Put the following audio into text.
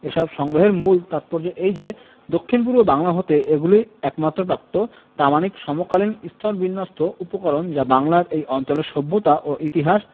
এসব সংগ্রহের মূল তাৎপর্য এই যে দক্ষিণ পূর্ব বাংলা হতে এগুলিই একমাত্র প্রাপ্ত প্রামাণিক সমকালীন স্তরবিন্যস্ত উপকরণ যা বাংলার এই অঞ্চলের সভ্যতা ও ইতিহাস